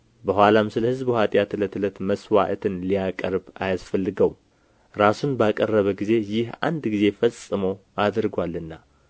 በኋላም ስለ ሕዝቡ ኃጢአት ዕለት ዕለት መሥዋዕትን ሊያቀርብ አያስፈልገውም ራሱን ባቀረበ ጊዜ ይህን አንድ ጊዜ ፈጽሞ አድርጎአልና